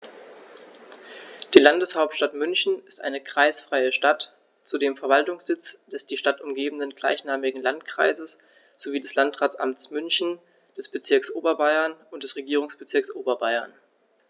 Die Landeshauptstadt München ist eine kreisfreie Stadt, zudem Verwaltungssitz des die Stadt umgebenden gleichnamigen Landkreises sowie des Landratsamtes München, des Bezirks Oberbayern und des Regierungsbezirks Oberbayern.